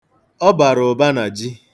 Ọ bara ụba na ji.